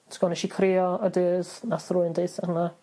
So nesh i crio y dydd nath rhywun deutho hwnna